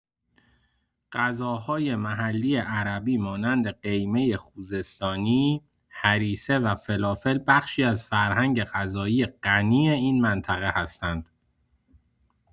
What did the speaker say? غذاهای محلی عربی مانند قیمه خوزستانی، هریسه و فلافل بخشی از فرهنگ غذایی غنی این منطقه هستند.